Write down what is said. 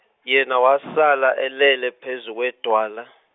yena wasala elele phezu kwedwala.